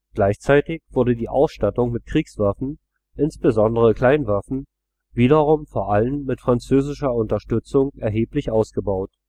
Gleichzeitig wurde die Ausstattung mit Kriegswaffen, insbesondere Kleinwaffen, wiederum vor allem mit französischer Unterstützung, erheblich ausgebaut